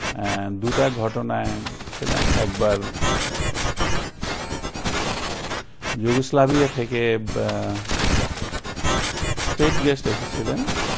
দুটা ঘটনায় ছিলাম একবার যুগোস্লাভিয়া থেকে স্টেটগেস্ট এসেছিলেন